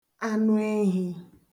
anụehī